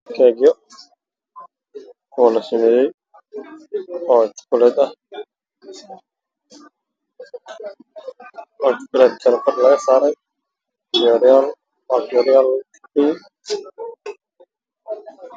Waa keekyo la sameeyay oo jukuleed ah